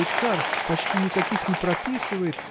Лекарств почти никаких не прописывает